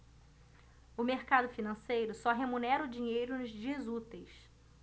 o mercado financeiro só remunera o dinheiro nos dias úteis